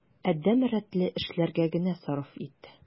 Адәм рәтле эшләргә генә сарыф ит.